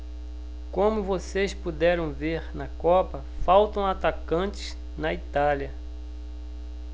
como vocês puderam ver na copa faltam atacantes na itália